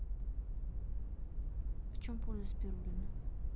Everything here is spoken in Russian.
в чем польза спирулины